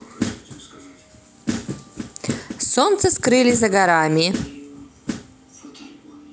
солнце скрыли за горами